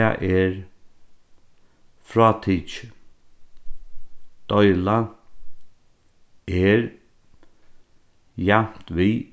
tað er frátikið deila er javnt við